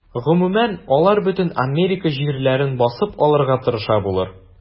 Гомумән, алар бөтен Америка җирләрен басып алырга тырыша булыр.